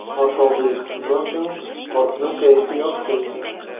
Аш алды йокысыннан соң картның кәефе яхшы иде.